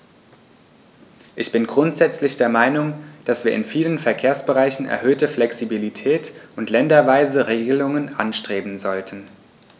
Ich bin grundsätzlich der Meinung, dass wir in vielen Verkehrsbereichen erhöhte Flexibilität und länderweise Regelungen anstreben sollten.